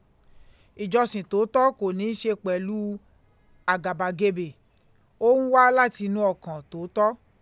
Ìjọsìn tòótọ́ kò ní í ṣe pẹ̀lú àgàbàgebè. Ó ń wá láti inú ọkàn tòótọ́.